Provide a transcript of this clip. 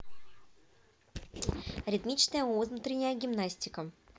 ритмичная утренняя гимнастика